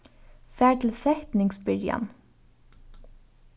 far til setningsbyrjan